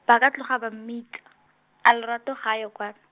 ba ka tloga ba mmitsa, a Lorato ga a yo kwano?